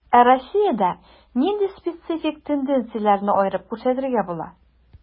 Ә Россиядә нинди специфик тенденцияләрне аерып күрсәтергә була?